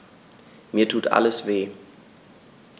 Mir tut alles weh.